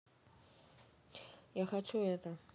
я хочу это